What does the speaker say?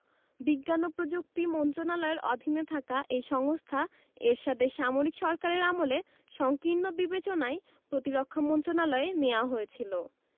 বিজ্ঞান ও প্রযুক্তি মন্ত্রণালয়ের অধীনে থাকা এই সংস্থা এরশাদের সামরিক সরকারের আমলে সংকীর্ণ বিবেচনায় প্রতিরক্ষা মন্ত্রণালয়ে নেওয়া হয়েছিল